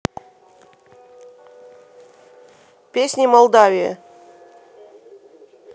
песни молдавии